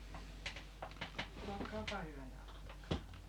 olkaapa hyvä ja ottakaa